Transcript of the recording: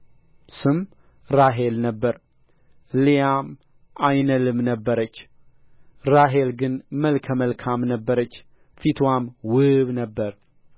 ስም ራሔል ነበረ ልያም ዓይነ ልም ነበረች ራሔል ግን መልከ መልካም ነበረች ፊትዋም ውብ ነበረ